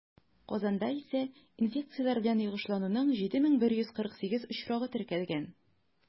Казанда исә инфекцияләр белән йогышлануның 7148 очрагы теркәлгән.